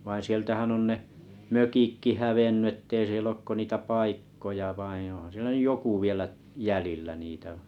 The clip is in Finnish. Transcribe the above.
vaan sieltähän on ne mökitkin hävinnyt että ei siellä ole kuin niitä paikkoja vain onhan siellä nyt joku vielä jäljellä niitä